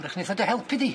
W'rach neith o dy helpu di.